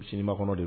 Siniba kɔnɔ de